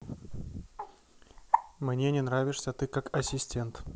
мне не нравишься ты как ассистент